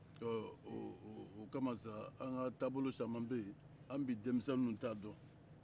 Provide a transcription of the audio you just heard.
ɔɔ o kama sa an ka taabolo caman bɛ yen an bi denmisɛnninw t'a dɔn